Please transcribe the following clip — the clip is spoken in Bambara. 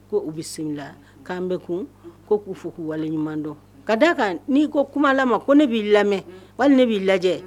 Ko u bɛ sun la k'an bɛ kun ko k'u fo k'u wale ɲuman dɔn ka d da a kan n'i ko kumala ma ne b'i lamɛn wali ne b'i lajɛ